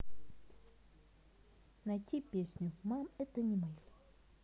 найти песню мам это не мое